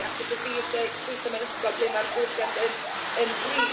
Achos bod fi isie gweitho mewn ysgol ble mae'r diwylliant yn yn gryf.